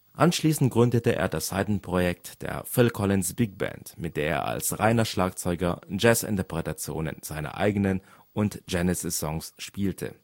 Anschließend gründete er das Seitenprojekt der Phil Collins Big Band, mit der er als reiner Schlagzeuger Jazz-Interpretationen seiner eigenen und Genesis-Songs spielte